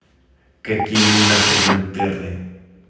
какие нахер интерны